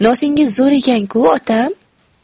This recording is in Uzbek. nosingiz zo'r ekan ku otam